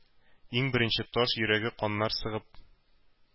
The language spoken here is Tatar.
Иң беренче таш йөрәге каннар сыгып,